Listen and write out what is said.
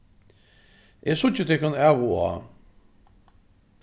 eg síggi tykkum av og á